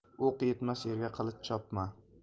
o'q yetmas yerga qilich chopma